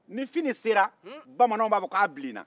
ni fini sera bamananw b'a fɔ ka bilenna